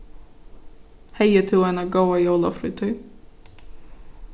hevði tú eina góða jólafrítíð